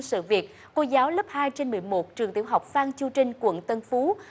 sự việc cô giáo lớp hai trên mười một trường tiểu học phan chu trinh quận tân phú